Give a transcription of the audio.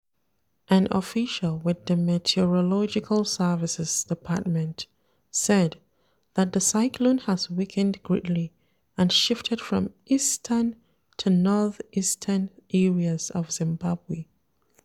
An official with the Meteorological Services Department said that the cyclone has weakened greatly and shifted from eastern to northeastern areas of Zimbabwe.